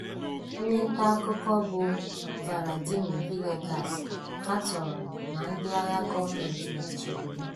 Onye nta akụkọ bụ Vladimir Villegas katọrọ na ndị agha gọọmentị nwụchiri ya: